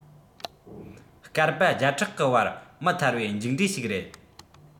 བསྐལ པ བརྒྱ ཕྲག གི བར མི ཐར བའི མཇུག འབྲས ཤིག རེད